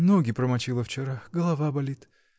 ноги промочила вчера, голова болит!